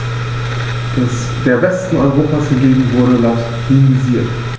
Der Westen Europas hingegen wurde latinisiert.